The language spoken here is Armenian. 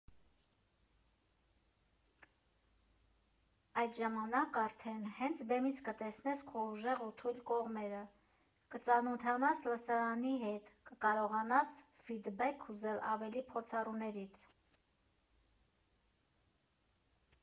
Այդ ժամանակ արդեն հենց բեմից կտեսնես քո ուժեղ ու թույլ կողմերը, կծանոթանաս լսարանի հետ, կկարողանաս ֆիդբեք ուզել ավելի փորձառուներից։